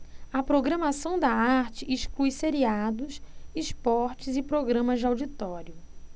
a programação da arte exclui seriados esportes e programas de auditório